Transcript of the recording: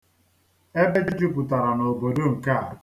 Ebe jupụtara n'obodo nke a.